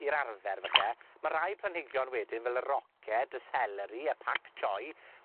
i'r arfer falle, ma' rai planhigion wedyn, fel y roced, y seleri, y pac choi